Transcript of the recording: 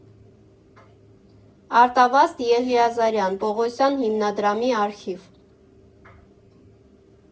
Արտավազդ Եղիազարյան Պողոսյան հիմնադրամի արխիվ։